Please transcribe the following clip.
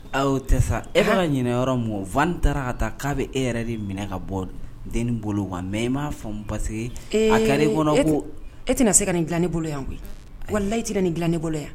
A' o tɛ sa e fana ɲ yɔrɔ ma wa taara ka taa k'a bɛ e yɛrɛ de minɛ ka bɔ den nin bolo wa mɛ i m'a fɔ n parce que kɛra kɔnɔ ko e tɛna se ka nin dila ne bolo yan koyi wala layitra nin dila ne bolo yan